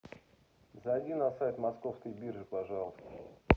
зайди на сайт московской биржи пожалуйста